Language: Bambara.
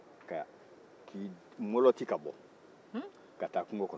ka k'i mɔlɔti ka bɔ ka taa kungo kɔnɔ